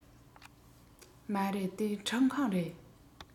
མ རེད དེ ཁྲུད ཁང རེད